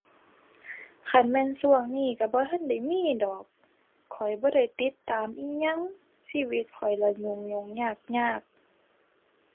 คันแม่นช่วงนี้ก็บ่ทันได้มีดอก ข้อยบ่ได้ติดตามอิหยัง ชีวิตข้อยล่ะยุ่งยุ่งยากยาก